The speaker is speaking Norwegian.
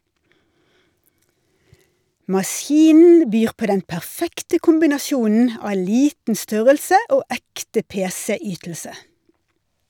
Maskinen byr på den perfekte kombinasjonen av liten størrelse og ekte pc-ytelse.